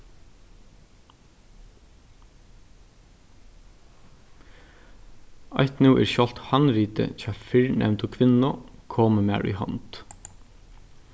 eitt nú er sjálvt handritið hjá fyrrnevndu kvinnu komið mær í hond